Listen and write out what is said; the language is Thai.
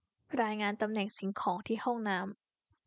รายงานตำแหน่งสิ่งของที่ห้องน้ำ